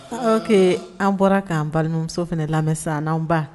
Ɔke an bɔra k'an balimauso fana lamɛnsa n'an ba